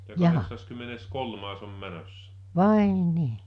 jaa vai niin